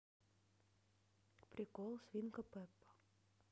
прикол свинка пеппа